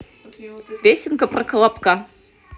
песенка про колобка